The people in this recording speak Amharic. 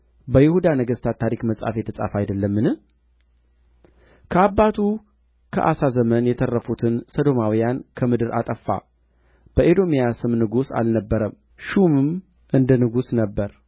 በይሁዳ ነገሥታት ታሪክ መጽሐፍ የተጻፈ አይደለምን ከአባቱ ከአሳ ዘመን የተረፉትን ሰዶማውያን ከምድር አጠፋ በኤዶምያስም ንጉሥ አልነበረም ሹሙም እንደ ንጉሥ ነበረ